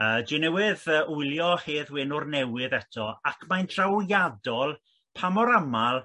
yy dwi newydd yy wylio Hedd Wyn o'r newydd eto ac mae'n trawiadol pa mor amal